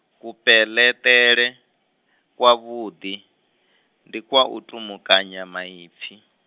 kupeleṱele, kwavhuḓi, ndi kwa u tumukanya maipfi.